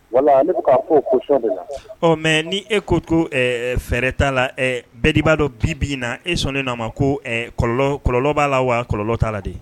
Wala mɛ ni e ko to fɛɛrɛ t la bɛɛdu b'a dɔ bi bin na e sɔn ne nana ma ko kɔlɔ b'a la wa kɔlɔ t'a la de